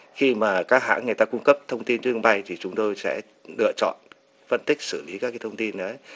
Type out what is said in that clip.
khi mà các hãng người ta cung cấp thông tin chuyến bay thì chúng tôi sẽ lựa chọn phân tích xử lý các cái thông tin đấy